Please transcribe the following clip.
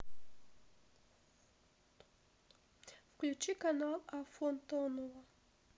включи канал афонтово